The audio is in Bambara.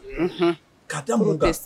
Ka da mun